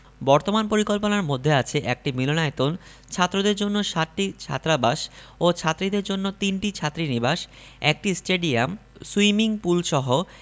বর্তমান পরিকল্পনার মধ্যে আছে একটি মিলনায়তন ছাত্রদের জন্য সাতটি ছাত্রাবাস ও ছাত্রীদের জন্য তিনটি ছাত্রীনিবাস একটি স্টেডিয়াম সুইমিং পুলসহ